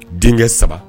Denkɛ saba